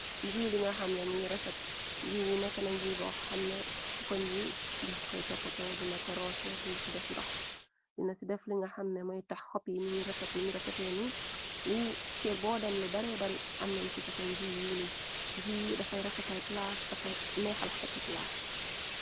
Jiibi nga xamnem ngi refet jiib yi nekk na njiibo xamne ku ko njii def koy toppoto dina ko roose ndoxdina ci def li nga xamne mooy tax xopp yi niñ refet nuñ refetee ni li kër boo dem lu bare bari amneñ ci fasoon nji yi ni njii dafay refetal plaas dafay neexal xeti palas.